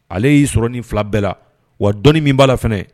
Ale y'i sɔrɔ ni fila bɛɛ la, wa dɔnni min b'a la fana